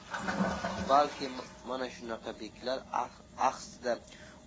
balki mana shunaqa beklar axsida